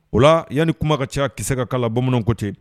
O la yan ni kuma ka ca ki ka kala baman kotɛ